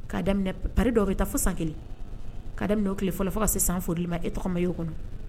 'a pa dɔw bɛ taa fo san kelen ka daminɛ dɔw tile fɔlɔ fo ka se san foli ma e tɔgɔ ma y'o kɔnɔ